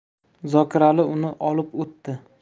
zokirali uni olib o'tdi